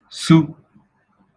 -su